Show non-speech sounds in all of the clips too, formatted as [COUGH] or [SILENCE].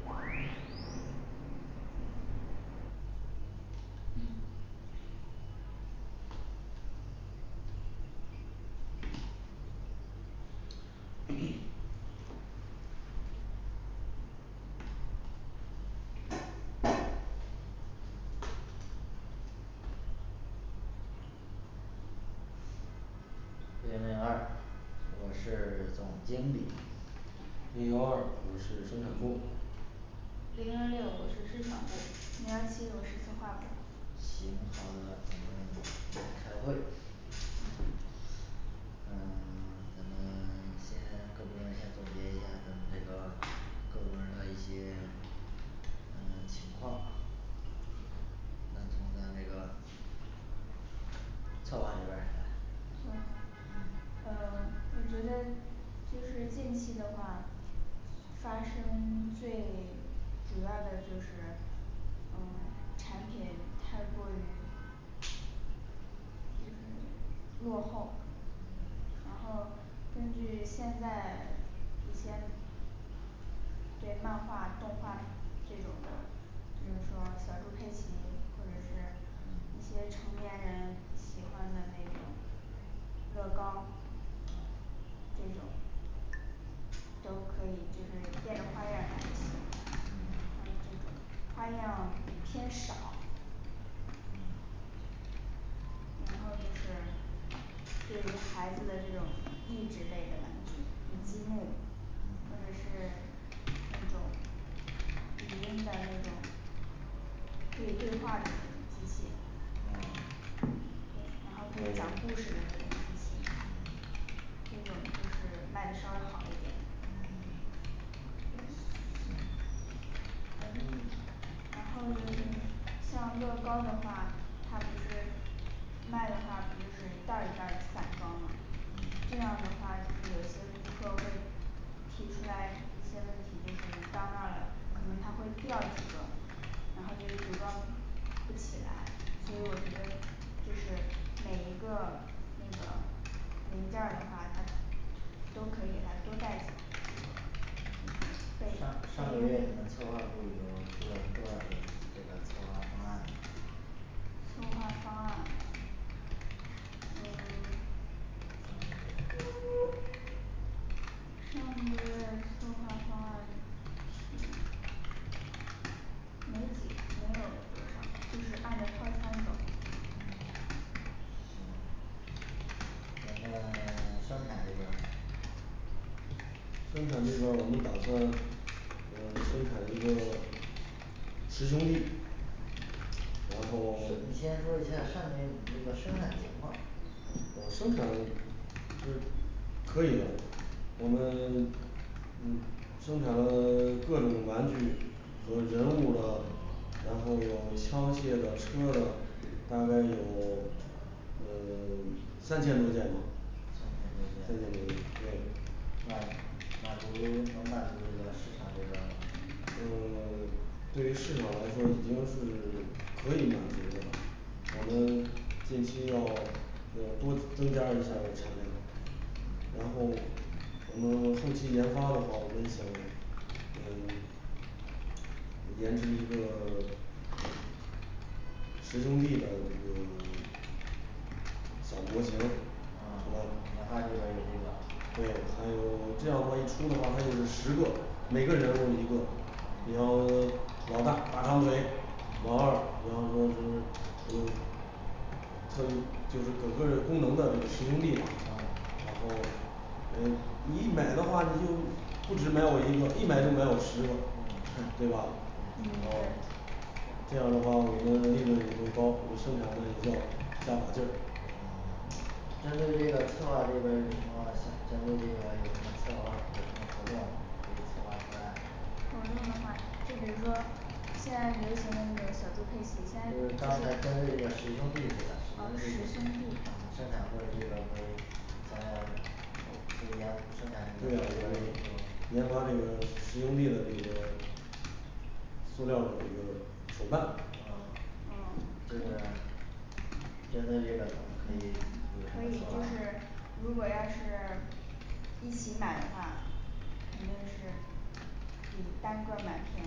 .零零二我是总经理零幺二我是生产部零幺六我是市场部零幺七我是策划部行好的咱们来开会嗯嗯 [SILENCE] 咱们 [SILENCE] 先各部门儿先总结一下咱们这个各部门儿的一些 [SILENCE] 嗯情况咱从咱那个策划这边儿来策划呃嗯 [UNINTELLIGIBLE] 我觉得就是近期的话发生 [SILENCE] 最主要的就是呃产品太过于落后然后根据现在这些对漫画动画这种的，嗯就是说小猪佩奇或者是一些成年人喜欢的那种乐高嗯这种都可以就是变着花样儿来一些像嗯这种。花样儿偏少嗯嗯然后就是对于孩子的那种益智类的玩具像积木嗯或者嗯是那种语音的那种可以对话的那种机器，噢对然后可以讲故嗯事的那种机器。这种就是卖的稍微好一点嗯嗯咱们然后呢像乐高的话它不是卖的话不就是一袋儿一袋儿的散装嘛，这样嗯的话就是有一些顾客会提出来一些问题，就是你到那了可能它会嗯掉几个，然后那组装不不起来所以我觉得嗯就是每一个那个零件儿的话它都可以给他都多走几个提上前备上个月你们策划部儿有出了多少个这这个策划方案呢策划方案嗯嗯上 [SILENCE] 个月上个月策划方案提没几没有多少就是按着套餐走嗯，行咱们 [SILENCE] 生产这边儿生产这边儿我们打算嗯生产一个十兄弟，然后十你先说一下儿上个月你们这个生产情况呃生产是可以啊我们 [SILENCE] 嗯生产了 [SILENCE] 各种玩具和人物的，然后有枪械的车的大概有呃 [SILENCE] 三千多件吧，三三千千多多件件对满满足能满足这个市场这边儿吗呃 [SILENCE] 对于市场来说已经是可以满足的我们近期要多增加一下儿产量然后我们后期研发的话我们想嗯研制一个 [SILENCE] 十兄弟的这个小模型是啊要研发这边吧，儿对有，这个还有这样的话一出的话他就是十个，每个人物儿一个有 [SILENCE] 老大大长腿，老二比方说是有特异就是各个的功能的十兄弟的啊噢，然后诶你一买的话你就不只买我一个，一买就买我十个 [NOISE]，对吧，嗯对对哦这样的话我们利润也会高，我们生产的一定要加把劲儿。针对这个策划这边儿有什么相相对这个有什么策划有什么活动可以策划出来就比如说现在流行那种小猪佩不奇，现是在刚才针对这个十兄弟这个哦十兄弟生产部儿这边儿不是想要后不是研生产研对呀发这我边儿有们研发这个十兄弟的这个 [SILENCE] 塑料儿的这个手办哦噢这边儿针对这个咱们可以可以就是如果要是一起买话肯定是比单个儿买便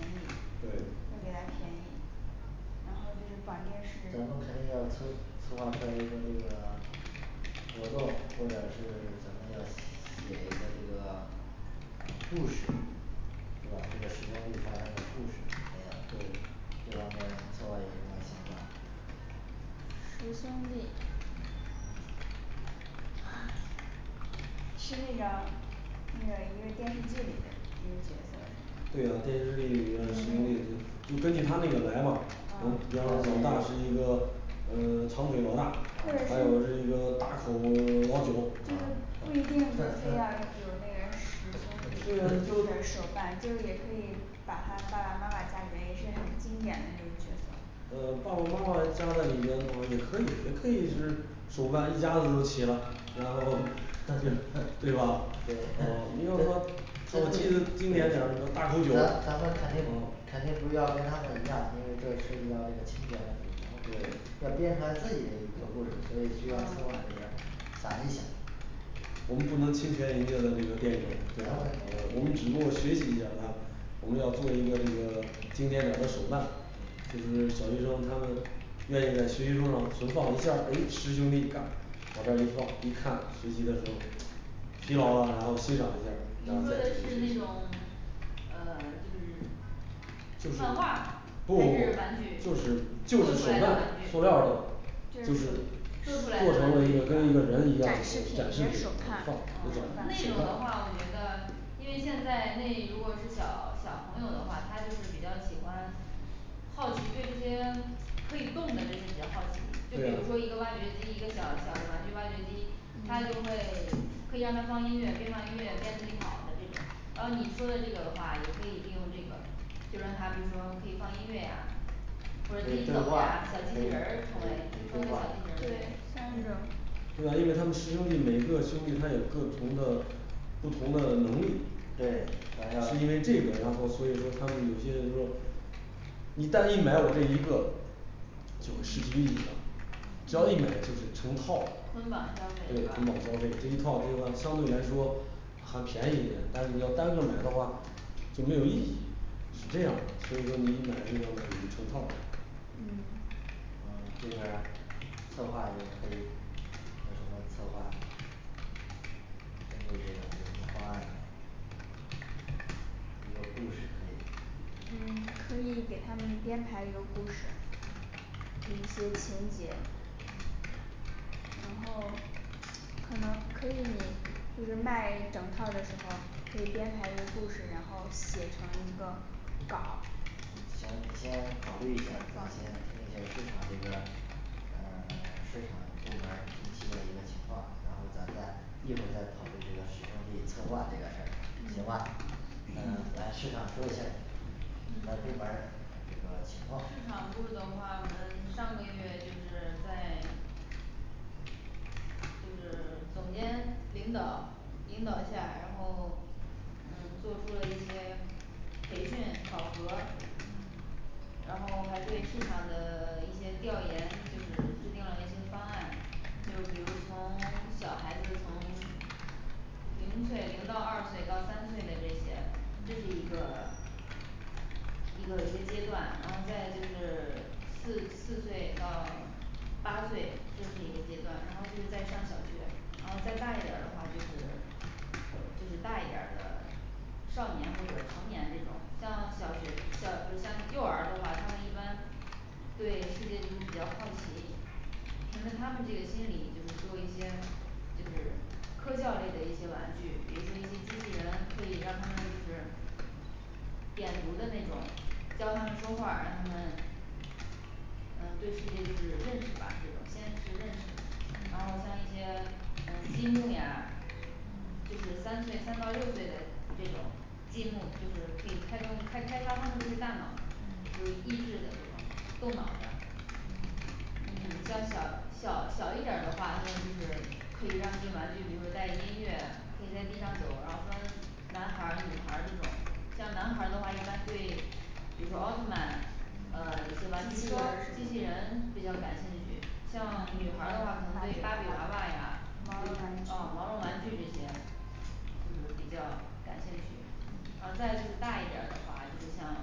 宜会对给他便宜然后就是绑定式咱们肯定要策策划出来一个这个活动或者是咱们要写一个这个然后故事，是吧这个十兄弟发生的故事肯定要这方面策划有什么想法儿十兄弟 [NOISE] 是那个那个一个电视剧里的一个角色，对是呀吗电视剧里边十兄弟就，就根据他那个来吧你知噢道老大是一个呃长腿老大或者，还有是是一个大口 [SILENCE] 老九就是不一定就非要啊有有那个十兄弟有点手 [NOISE] 办，就是也可以把他爸爸妈妈加里面也是很经典的那种角色呃爸爸妈妈加在里面的话也可以可以就是手办一家子都齐了，然后就对对对 [NOISE] 吧啊你要说 [NOISE] 我记得经典点儿那个咱大口九咱们肯定肯定不要跟他们一样，因为这涉及到这个侵权问题咱们要编出来自己的一个故事所以需要策划这边儿想一想我们不能侵权人家的这个电影对吧哦？我们对对只不过学习一下它我们要做一个这个经典点儿的手办就是小学生他们愿意在学习桌儿上存放一下儿诶十兄弟嘎往这一放一看，学习的时候儿疲劳了然后欣赏一你下儿说的是那种呃就是就是漫画儿还不不是玩具就是做就是手出来的办玩塑料儿具的就就就是是是手做出来的玩具是吧呃那种展做成了一个跟一个人一样的展示示品一品放一个手判那呃叫手手的办办话我觉得因为现在那如果是小小朋友的话他就是比较喜欢好奇对这些可以动的这些比较好奇,就比对如说一个呀挖掘机，一个小小的玩具挖掘机，它就会可以让它放音乐，边放音乐边自己跑的这种，然后你说的这个的话也可以利用这个就让它比如说可以放音乐呀，或可者自以己对走呀话小可以机可器以人儿成可为以成为对个话小机器对人儿对像那种对吧因为他们十兄弟每个兄弟他有各同的不同的能力，对咱要是因为这个然后所以说他们有些人就说你单一买我这一个就会失去意义了。只要一买就是成套的捆绑，对捆绑消消费费是吧这一套对吧？相对来说还便宜一点，但你要单个儿买的话就没有意义。是这样的所以说你买这个买成套的嗯呃这边儿策划也可以。有什么策划针对这个有什么方案没一个故事可以嗯可以给他们编排一个故事嗯，一些情节嗯然后可能可以就是卖整套的时候可以编排一个故事然后写成一个嗯稿儿行你先考虑一下儿，咱先听一下儿。市场这边儿嗯市场部门儿近期的一个情况，然后咱再一会儿再讨论这个十兄弟策划这个事儿行吧嗯嗯来市场说一下儿咱部门儿这个情况市场部儿的话我们上个月就是在就是总监领导引导下然后嗯做出了一些培训考核然后还对市场的一些调研就是制定了一些方案。就比如从 [SILENCE] 小孩子从 [SILENCE] 零岁零到二岁到三岁的这些，这是一个一个一个阶段，然后在就是四四岁到八岁这是一个阶段，然后是在上小学，然后再大一点儿的话就是，就是大一点儿的少年或者成年这种像小学小学像幼儿的话，他们一般对世界就是比较好奇，可能他们自己心理就是做一些就是科教类的一些玩具，也是因为机器人可以让他们就是点读的那种教他们说话儿，让他们呃对世界是认识吧这种先是认识，然后像一些嗯积木呀嗯就是三岁三到六岁的这种积木就是可以开动开开发他们这些大脑，嗯就是益智的这种动脑的嗯像小小小一点儿的话，他们就是可以让一些玩具，比如说带音乐可以在地上走嗯，然后分男孩儿女孩儿这种。像男孩儿的话一般对比如说奥特曼呃一些玩具车机器人比较感兴趣，像女孩儿的话可能芭对芭比比娃娃娃娃呀对毛啊毛绒玩具绒玩具这些就是比较感兴趣然后嗯再就是大一点儿的话就是像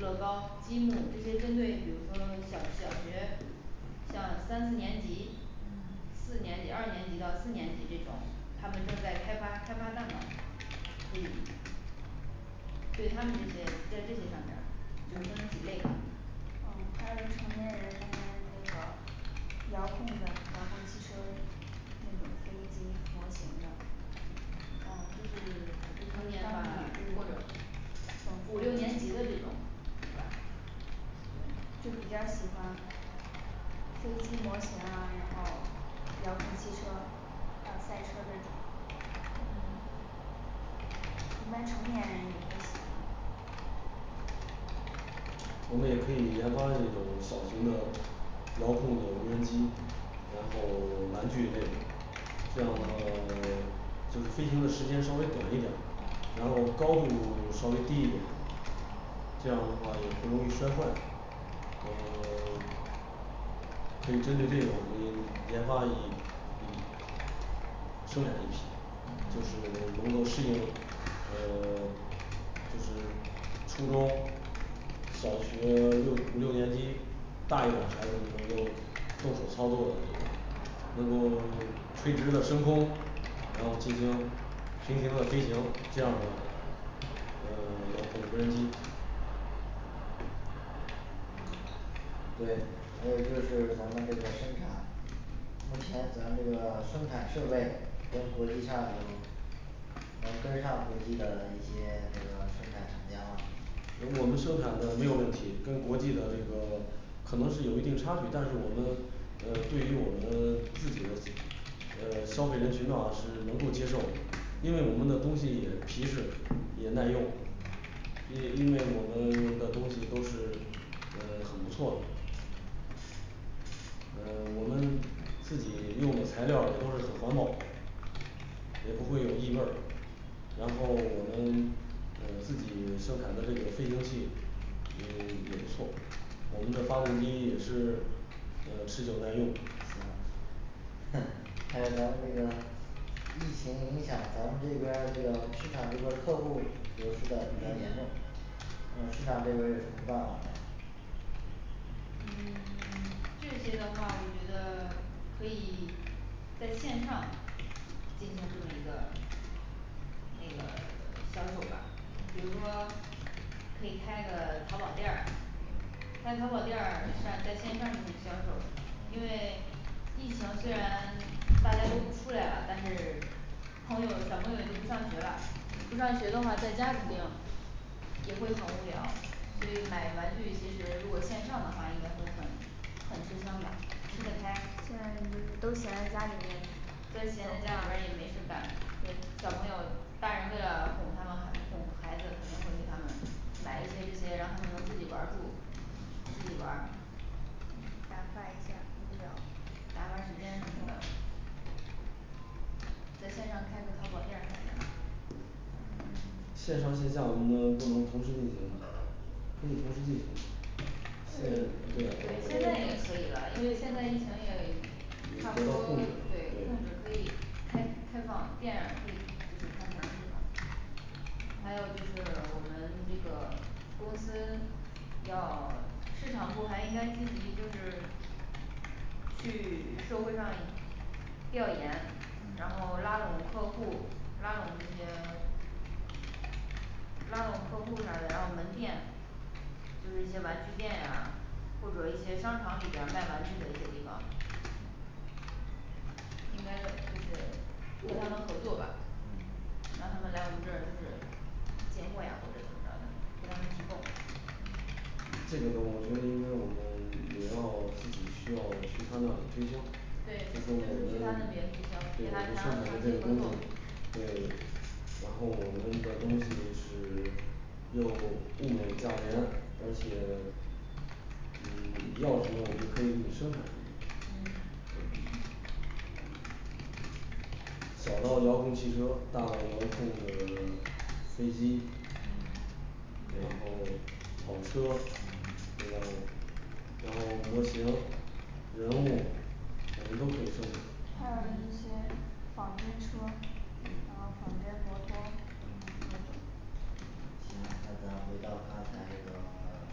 乐高积木这些针对比如说小小学，像三四年级四年级二年级到四年级这种，他们正在开发开发大脑可以对他们这些在这些上边儿就是分几类吧，哦还有成年人他们那个遥控的遥控汽车那个飞机模型的，嗯就就成年是的或者是五六年级的这种就比较喜欢飞机模型啊，然后遥控汽车像赛车这种嗯嗯一般成年人也会喜欢我们也可以研发这种小型的遥控的无人机，然后玩具类的这样呢 [SILENCE] 就是飞行的时间稍微短一点儿，然后高度稍微低一点这样的话也不容易摔坏。呃可以针对这个我们研发一一生产一批就是嗯能够适应呃 [SILENCE] 就是初中小学六五六年级，大一点儿孩子们能够动手儿操作的这个能够垂直的升空，然后进行平行的飞行，这样的嗯叫做无人机对，还有就是咱们这个生产，目前咱这个生产设备跟国际上有能跟上国际的一些这个生产厂家吗呃我们生产的没有问题，跟国际的这个可能是有一定差距，但是我们呃对于我们自己的呃消费人群的话是能够接受，因为我们的东西也皮实也耐用因因为我们的东西都是嗯很不错的嗯我们自己用的材料儿也都是很环保的也不会有异味儿。然后我们呃自己生产的这个飞行器也也不错，我们的发动机也是嗯持久在用是吧？哼还有咱们这个这个市场这边儿客户儿流失的比较严重，呃市场这边儿有什么办法没嗯这些的话我觉得可以在线上进行这么一个这个销售吧，比如说可以开个淘宝店儿在淘宝店儿上在线上的销售，因为疫情虽然大家都不出来了，但是朋友小朋友就不上学了，不上学的话在家里肯定也会很无聊。所以买玩具其实如果线上的话应该会很很吃香吧。吃的现在开就是，都对闲闲在在家家里里面面，也没事儿干对，小朋友大人为了哄他们孩哄孩子，肯定会给他们买一些这些让他们能自己玩儿住自己玩儿也打发一下无聊打发时间什么的在线上开个淘宝店儿，嗯 [SILENCE] 线上线下我们能不能同时进行可以同可以时对进现在也可行以了，因为。现在疫情。得到也差不控多制对。对就可以开开放电影儿可以开门儿还有就是我们这个公司要市场部还应该积极就是去社会上调研，然后拉拢客户拉拢这些拉拢客户儿啥的然后门店就是一些玩具店，或者一些商场里边儿卖玩具的一些地方应该就是和他们合作吧。让他们来我们这儿就是进货呀或者怎么着的给他们提供这个呢我觉得应该我们也要自己需要去他那里推销对就就说我是们对，我们生去他那边推销。给他谈产长的期这些合东西作对然后我们的东西是又物美价廉，而且嗯你要什么我们可以给你生产什么嗯，对小到遥控汽车，大到遥控的飞机然嗯后对跑车那个然后模型，人物，我们都可以还有一些仿真车，然后仿真摩托这个可以行，那咱回到刚才这个 [SILENCE]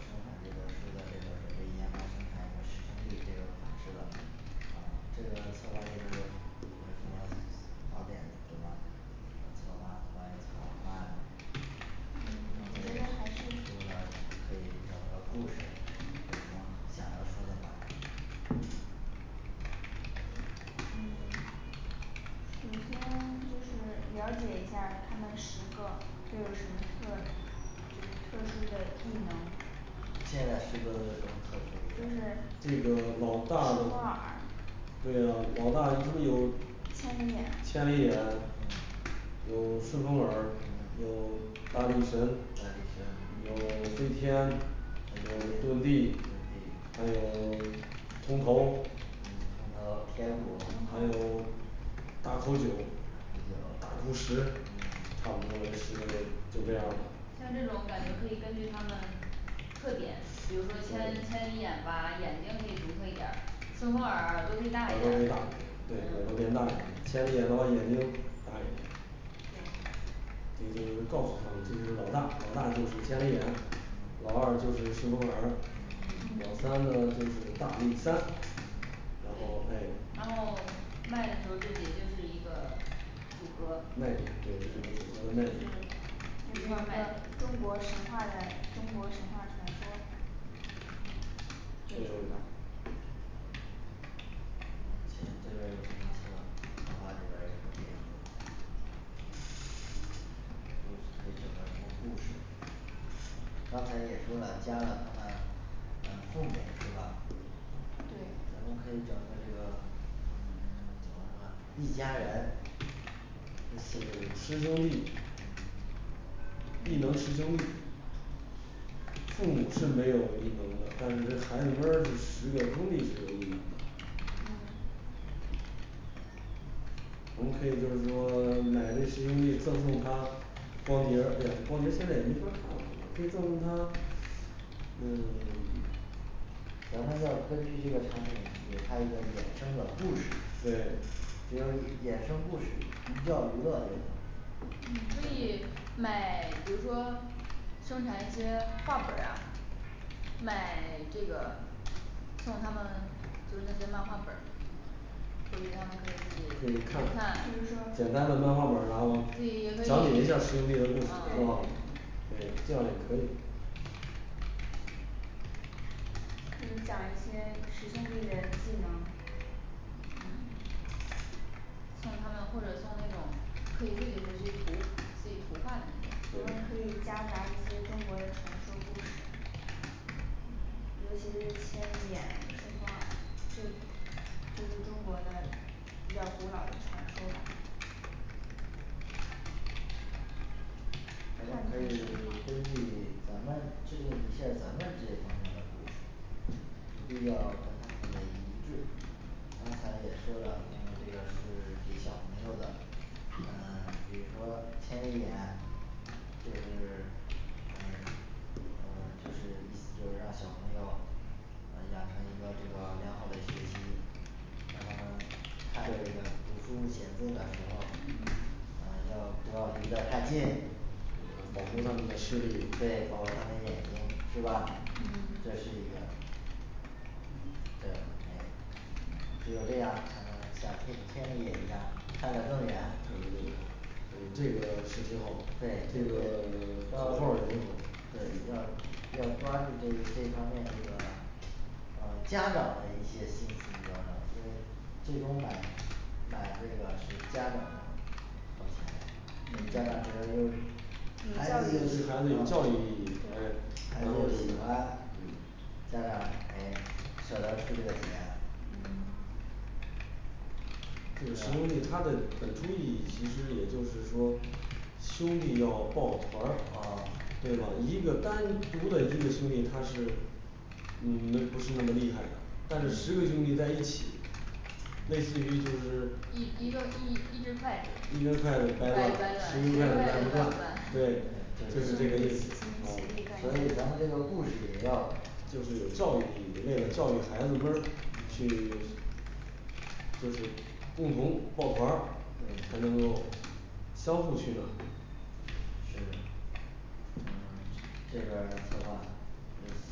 生产这边儿，说的这个准备研发生产一个十兄弟这个款式的呃这个策划师有什么好点的策划策划关于策划方案呢，我刚觉得才还是也说符了可合以整个故事，有什么想要说的吗嗯首先就是了解一下儿他们十个都有什么特，就是特殊的异能，现在十个都什么特殊义的就是这个顺老风大的耳对呀老大一他们有千里眼千里眼，有顺风耳，有大力神大力神有飞天，有飞遁天地，遁地还有铜头嗯铜头铁骨还铜有头，大大口口九九大哭十差不多这十个嗯这就这样儿了。像这种感觉可以根据他们特点，比如说千千里眼吧眼睛可以独特一点儿，顺风耳耳耳朵朵可可以以大，大一点对儿耳朵变大，千里眼的话眼睛大一点对也就是告诉他们这个是老大老大就是千里眼老二就是顺风耳，老三呢就是大力三，然后对诶然后卖的时候儿这也就是一个卖点对整个组合的就卖是点这是一一个块儿卖的中国神话的中国神话传说这种的这停 [UNINTELLIGIBLE] 这边儿有什么说的策划这边儿有什么点子诶没整个什么故事刚才这也说了一家呢是吗嗯父母是吧，对咱们可以找一个这个一家人，这是，十兄弟嗯异能十兄弟父母是没有异能的，但是这孩子们儿这十个兄弟是有异能的嗯我们可以就是说 [SILENCE] 买这十兄弟赠送他，光碟儿呀这光碟现在也没法看了可以赠送他嗯 [SILENCE] 咱们要根据这个产品有它一个衍生的故事对只有衍衍生故事要娱乐又能嗯可以买比如说生产一些画本儿啊买 [SILENCE] 这个送他们就是那些漫画本儿回去他们可以自己自可己以看看自己就也，是简说单的漫画本儿然后讲解一下儿十兄弟可以的故对对事是啊吧，对可以这样也可以就是讲一些十兄弟的技能，嗯送他们或者送那种可以自己去涂可以涂画的那我们可以种夹杂一些中国的传说故事尤其是千里眼顺风耳这。这些中国的比较古老的传说我们可以根据咱们制定一下儿咱们这方面的书预料都要一致。 刚才也说了，因为这个是给小朋友的嗯比如说前几年这是嗯嗯就是就是让小朋友呃养成一个这个良好的学习然后呢他的这个读书写字的时候嗯不要不要离得太近保护他们的视力对保护他们的眼睛是吧嗯这是一个对，诶只有这样才能像天千里眼一样看的更远看的更远嗯这个是挺好，对这这次个要对 [SILENCE] 代要要号儿也挺好抓住这这方面这个哦家长的一些，就是最终买买这个是家长掏钱嘞诶家长觉得又孩子对孩又喜欢，啊子有有教教育育意意义义对哎孩子又喜欢家长哎舍得出这个钱这个十兄对啊弟它的本初意义其实也就是说兄弟要抱团儿啊对吧？一个单独的一个兄弟他是嗯也不是那么厉害的，但是十个兄弟在一起类似于就是一一一个根一一支筷筷子子掰掰断掰了断十十根根筷筷子子掰掰不不断断，对对 [NOISE]，就就是这这个个意思所其以利断金咱们这个故事也要就是有教育意义为了教育孩子们儿去就是共同抱团儿才对能够相互取暖是嗯这这边儿策划有